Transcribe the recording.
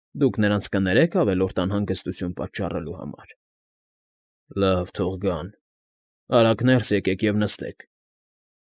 Դուք նրանց կներե՞ք ավելրոդ անհանգստություն պատճառելու համար։ ֊ Լավ, թող գան,,, Արագ ներս եկեք և նստեք։